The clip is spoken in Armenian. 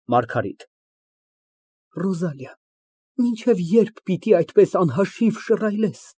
ՄԱՐԳԱՐԻՏ ֊ Ռոզալիա, մինչև ե՞րբ պիտի այդպես անհաշիվ շռայլես։